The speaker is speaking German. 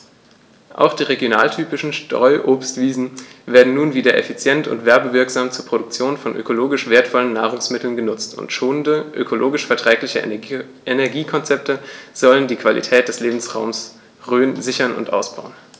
Auch die regionaltypischen Streuobstwiesen werden nun wieder effizient und werbewirksam zur Produktion von ökologisch wertvollen Nahrungsmitteln genutzt, und schonende, ökologisch verträgliche Energiekonzepte sollen die Qualität des Lebensraumes Rhön sichern und ausbauen.